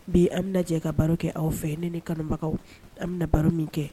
Bi an bɛna jɛ ka baro kɛ aw fɛ ne ni n kanubagaw an bɛna baro min kɛ